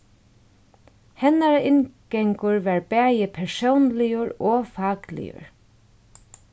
hennara inngangur var bæði persónligur og fakligur